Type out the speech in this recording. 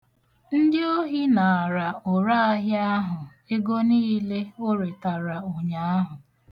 Ndị ohị naara oraahịa ahụ ego niile o retara ụnyaahụ.